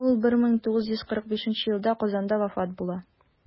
Ул 1945 елда Казанда вафат була.